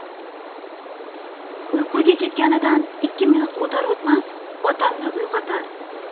uyquga ketganidan ikki minut o'tar o'tmas otamni uyg'otar